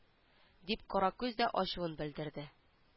Дип каракүз дә ачуын белдерде